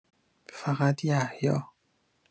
فقط یحیی